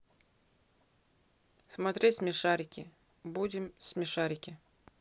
смотреть смешарики будем смешарики